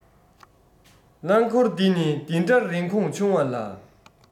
རླང མཁོར འདི ནི འདི འདྲ རིན གོང ཆུ བ ལ